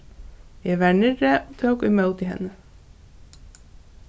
eg var niðri og tók ímóti henni